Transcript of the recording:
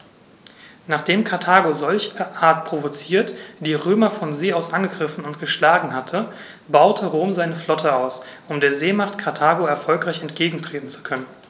Nachdem Karthago, solcherart provoziert, die Römer von See aus angegriffen und geschlagen hatte, baute Rom seine Flotte aus, um der Seemacht Karthago erfolgreich entgegentreten zu können.